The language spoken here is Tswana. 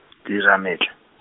dirametla.